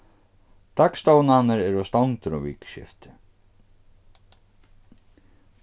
dagstovnarnir eru stongdir um vikuskiftið